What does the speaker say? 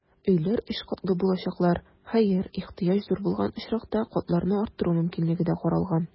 Өйләр өч катлы булачаклар, хәер, ихтыяҗ зур булган очракта, катларны арттыру мөмкинлеге дә каралган.